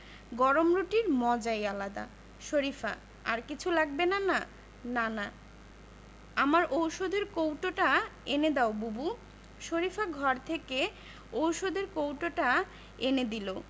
গরম রুটির মজাই আলাদা শরিফা আর কিছু লাগবে নানা নানা আমার ঔষধের কৌটোটা এনে দাও বুবু শরিফা ঘর থেকে ঔষধের কৌটোটা এনে দিল